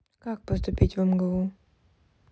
как поступить в мгу